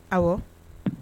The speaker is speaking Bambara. Ɔwɔ